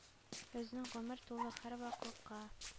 Безнең гомер тулы һәр ваклыкка,